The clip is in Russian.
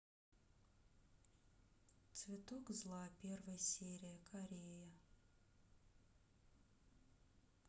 цветок зла первая серия корея